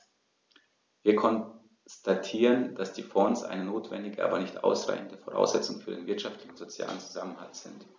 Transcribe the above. Wir konstatieren, dass die Fonds eine notwendige, aber nicht ausreichende Voraussetzung für den wirtschaftlichen und sozialen Zusammenhalt sind.